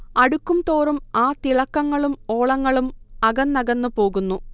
അടുക്കുംതോറും ആ തിളക്കങ്ങളും ഓളങ്ങളും അകന്നകന്നു പോകുന്നു